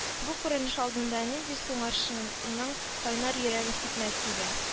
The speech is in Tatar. Бу күренеш алдында нинди сунарчының кайнар йөрәге типмәс тә